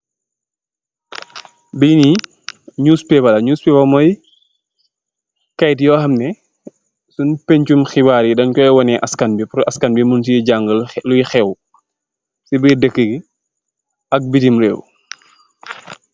Bi nee newspaper la newspaper moi keyt yo hamnex sung pensum xibaar den koi wun askanbi pul askanbi bi mun si jaga loi heew si deka gi ak bitim reew.